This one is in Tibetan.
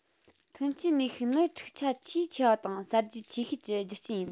ཐོན སྐྱེད ནུས ཤུགས ནི འཁྲུག ཆ ཆེས ཆེ བ དང གསར བརྗེ ཆེ ཤོས ཀྱི རྒྱུ རྐྱེན ཡིན